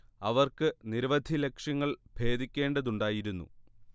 അവർക്ക് നിരവധി ലക്ഷ്യങ്ങൾ ഭേദിക്കേണ്ടതുണ്ടായിരുന്നു